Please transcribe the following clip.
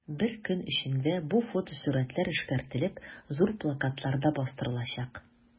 Бер көн эчендә бу фотосурәтләр эшкәртелеп, зур плакатларда бастырылачак.